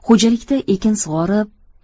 xo'jalikda ekin sug'orib